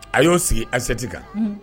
A y'o sigi asɛti kan